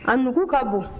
a nugu ka bon